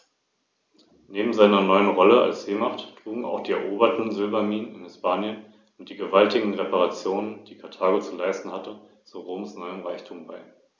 Die Flügelspannweite variiert zwischen 190 und 210 cm beim Männchen und zwischen 200 und 230 cm beim Weibchen.